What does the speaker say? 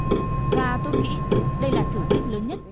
và tôi nghĩ đây là thử thách lớn nhất